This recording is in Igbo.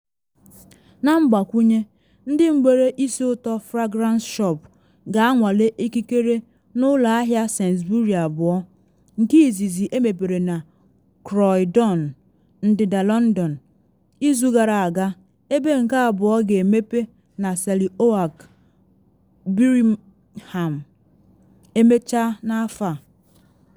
Na mgbakwunye, ndị mgbere isi ụtọ Fragrance Shop ga-anwale ikikere n’ụlọ ahịa Sainsbury abụọ, nke izizi emepere na Croydon, ndịda London, izu gara aga ebe nke abụọ ga-emepe na Selly Oak, Birmingham, emechaa n’afọ a.